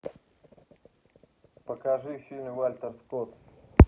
покажите фильм вальтер скотт